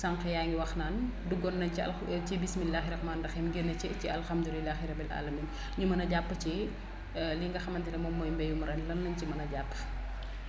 sànq yaa ngi wax naan duggoon nañ ci ak ci bisilimahi rahmaani rahiim génn ci ci alhamdulilahi rabil aalamiin ñu mën a jàpp ci li nga xamante ne moom mooy mbayum ren lan lañ ci mën a jàpp